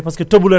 loolu am na solo